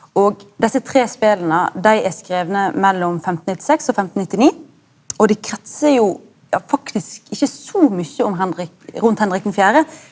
og desse tre spela dei er skrivne mellom 1596 og femtennittini, og dei krinsar jo ja faktisk ikkje so mykje om Henrik rundt Henrik den fjerde.